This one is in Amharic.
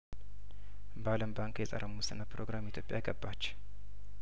በአለም ባንክ የጸረ ሙስና ፕሮግራም ኢትዮጵያ ገባች